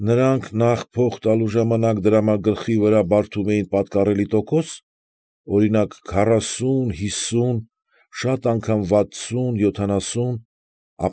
Նրանք նախ փոխ տալու ժամանակ դրամագլխի վրա բարդում էին պատկառելի տոկոս, օրինակ, քառասուն ֊ հիսուն , շատ անգամ վաթսուն ֊ յոթանասուն ,